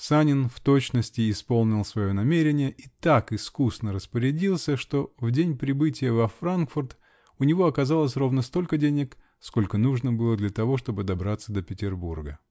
Санин в точности исполнил свое намерение и так искусно распорядился, что в день прибытия во Франкфурт у него оказалось ровно столько денег, сколько нужно было для того, чтобы добраться до Петербурга.